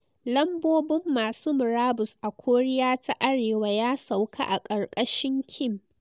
Lambobin masu murabus a Koriya ta Arewa ya'sauka' a karkashin Kim